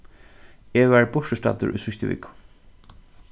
eg var burturstaddur í síðstu viku